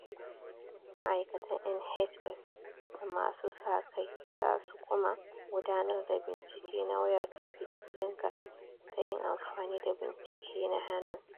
Ma’aikatan NHS da masu sa kai za su kuma gudanar da bincike na wayar tafi-da-gidanka ta yin amfani da bincike na hannun.